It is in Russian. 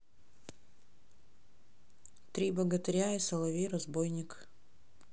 три богатыря и соловей разбойник